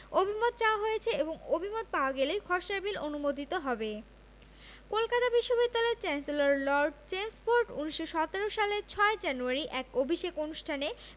অভিমত চাওয়া হয়েছে এবং অভিমত পাওয়া গেলেই খসড়া বিল অনুমোদিত হবে কলকাতা বিশ্ববিদ্যালয়ের চ্যান্সেলর লর্ড চেমস্ফোর্ড ১৯১৭ সালের ৬ জানুয়ারি এক অভিষেক অনুষ্ঠানে